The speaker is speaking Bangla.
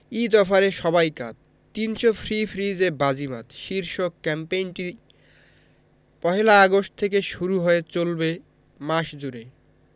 ঈদ অফারে সবাই কাত ৩০০ ফ্রি ফ্রিজে বাজিমাত শীর্ষক ক্যাম্পেইনটি পহেলা আগস্ট থেকে শুরু হয়ে চলবে মাস জুড়ে